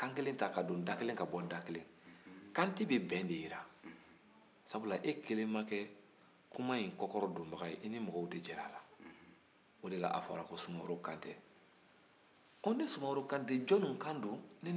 kantɛ bɛ bɛn de jira sabula e kelen ma kɛ kuma in kɔkɔrɔdonbaga ye i ni mɔgɔw de jɛra a la o de la a fɔra ko sumaworo kantɛ ko ne sumaworo kantɛ jɔnni kan don